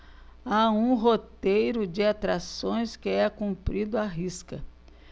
há um roteiro de atrações que é cumprido à risca